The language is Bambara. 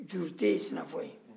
durute ye sinafɔ ye sinafɔ ye